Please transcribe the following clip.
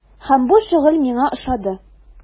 Һәм бу шөгыль миңа ошады.